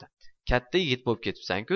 katta yigit bo'lib ketibsan ku